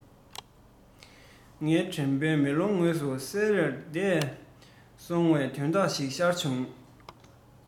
ངའི དྲན པའི མེ ལོང ངོས སུ གསལ ལེར འདས སོང པའི དོན དག ཞིག ཤར བྱུང